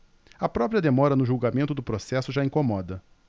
a própria demora no julgamento do processo já incomoda